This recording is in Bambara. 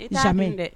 Samɛ dɛ